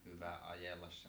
hyvä ajella